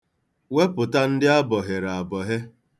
Wepụta ndị abọhere abọhe.